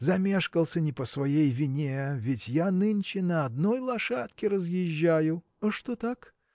Замешкался не по своей вине: ведь я нынче на одной лошадке разъезжаю. – Что так?